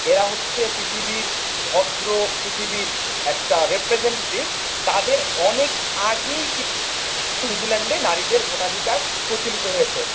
এরা হচ্ছে যে পৃথিবীর ভদ্র পৃথিবীর একটা রিপ্রেজেন্টেটিভ তাদের অনেক আগেই নিউজিল্যান্ডের নারীদের ভোটাধিকার প্রচলিত হয়েছে